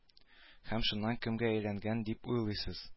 Һәм шуннан кемгә әйләнгән дип уйлыйсыз